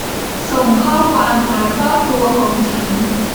ส่งข้อความหาครอบครัวของฉัน